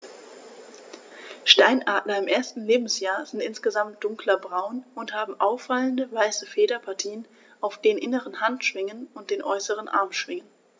Steinadler im ersten Lebensjahr sind insgesamt dunkler braun und haben auffallende, weiße Federpartien auf den inneren Handschwingen und den äußeren Armschwingen.